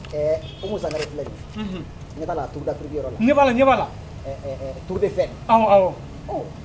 Ɛɛ Oumou Sangaré filɛ nin ye unhun i ɲɛ b'a la Tour d'Afrique yɔrɔ la n ɲɛ b'a la n ɲɛ b'a la ɛ ɛ ɛ Tour d'Effet awɔ awɔ ɔ